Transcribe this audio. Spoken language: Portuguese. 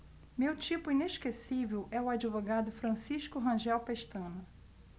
meu tipo inesquecível é o advogado francisco rangel pestana